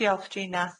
Diolch Gina.